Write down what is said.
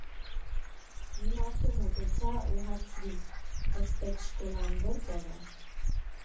Մի մարդու մոտեցա ու հարցրի, թե «Սպեց շկոլան» որտեղ է։